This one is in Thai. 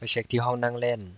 ไปเช็คที่ห้องนั่งเล่น